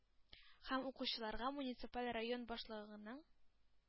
Һәм укучыларга муниципаль район башлыгының